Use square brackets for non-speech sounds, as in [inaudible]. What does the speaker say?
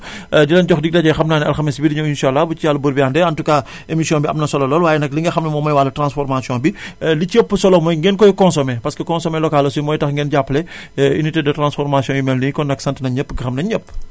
[breath] di leen jox dig daje xam naa ne alxames bii di nëw insaa àllaa bu ñu ci Yàlla buur bi àndee en tout cas [breath] émission bi am na solo lool waaye nag li nga xam ne moom mooy wàllu transformation bi [inhales] li ci ëpp solo mooy ngeen koy consommé parce que consommé locale aussi mooy tax ngeen jàppale [breath] unité de transformation yu mel nii kon nag sant nañ ñépp gërëm nañ ñépp